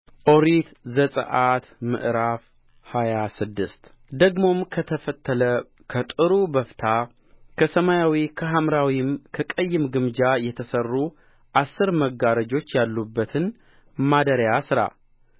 ኦሪት ዘጽአት ምዕራፍ ሃያ ስድስት ደግሞም ከተፈተለ ከጥሩ በፍታ ከሰማያዊ ከሐምራዊም ከቀይም ግምጃ የተሠሩ አሥር መጋረጆች ያሉበትን ማደሪያ ሥራ